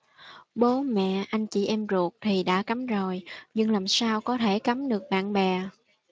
bố mẹ anh chị em ruột thì đã cấm rồi nhưng làm sao có thể cầm được bạn bè